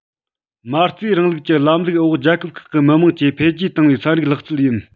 མ རྩའི རིང ལུགས ཀྱི ལམ ལུགས འོག རྒྱལ ཁབ ཁག གི མི དམངས ཀྱིས འཕེལ རྒྱས བཏང བའི ཚན རིག ལག རྩལ ཡིན